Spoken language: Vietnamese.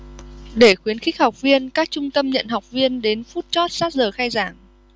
để khuyến khích học viên các trung tâm nhận học viên đến phút chót sát giờ khai giảng